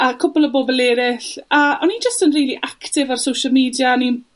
A cwpwl o bobol eryll. A o'n i jyst yn rili actif ar social media a o'n i'n